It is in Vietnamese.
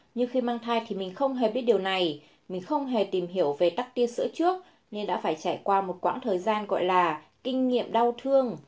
nhưng khi mang thai thì mình không hề biết điều này mình không hề tìm hiểu về tắc tia sữa trước nên đã phải trải qua một quãng thời gian gọi là kinh nghiệm đau thương